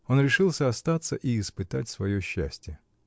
он решился остаться и испытать свое счастье.